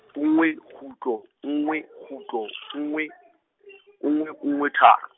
nngwe, kgutlo, nngwe, kgutlo , nngwe, nngwe nngwe tharo.